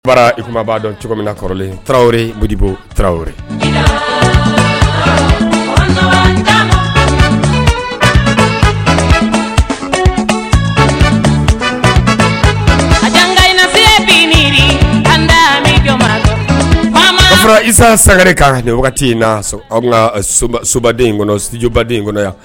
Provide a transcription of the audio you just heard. Bara i tun b'a dɔn cogo min na kɔrɔlen taraweleoɔribo tarawelesa sari kaa wagati in n'a sɔrɔ an ka sobaden in kɔnɔ stubaden in kɔnɔ yan